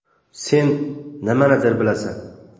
sen nimanidir bilasan